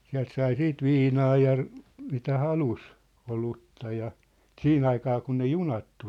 sieltä sai sitten viinaa ja mitä halusi olutta ja siihen aikaan kun ne junat tuli